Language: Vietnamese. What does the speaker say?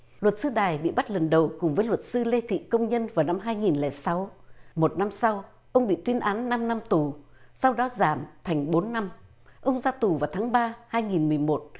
luật sư đài bị bắt lần đầu cùng với luật sư lê thị công nhân vào năm hai nghìn lẻ sáu một năm sau ông bị tuyên án năm năm tù sau đó giảm thành bốn năm ông ra tù vào tháng ba hai nghìn mười một